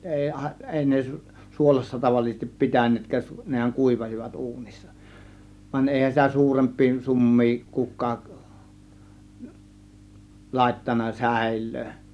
ei - ei ne suolassa tavallisesti pitäneetkään nehän kuivasivat uunissa vaan eihän sitä suurempia summia kukaan laittanut säilöön